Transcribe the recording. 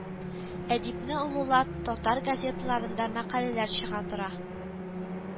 Әдибне олылап татар газеталарында мәкаләләр чыга тора